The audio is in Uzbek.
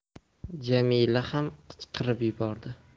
jamila ham qichqirib yubordi